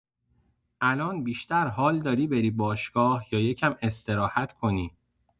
الان بیشتر حال داری بری باشگاه یا یه کم استراحت کنی؟